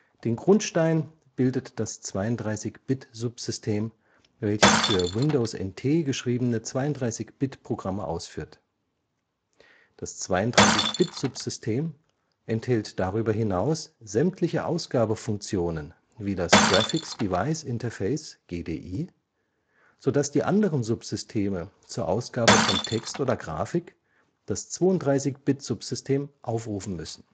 Den Grundstein bildet das 32-Bit-Subsystem, welches für Windows NT geschriebene 32-Bit-Programme ausführt. Das 32-Bit-Subsystem enthält darüber hinaus sämtliche Ausgabefunktionen wie das Graphics Device Interface (GDI), sodass die anderen Subsysteme zur Ausgabe von Text oder Grafik das 32-Bit-Subsystem aufrufen müssen